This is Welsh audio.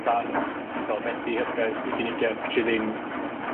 tan, wel Medi Hydref ugien ugien, ges i ddim...